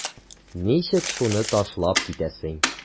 Ничек шуны ташлап китәсең?